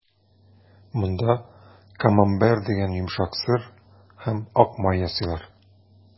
Монда «Камамбер» дигән йомшак сыр һәм ак май ясыйлар.